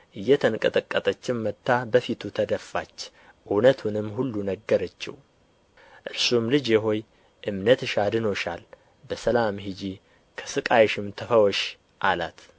እየተንቀጠቀጠችም መጥታ በፊቱ ተደፋች እውነቱንም ሁሉ ነገረችው እርሱም ልጄ ሆይ እምነትሽ አድኖሻል በሰላም ሂጂ ከሥቃይሽም ተፈወሽ አላት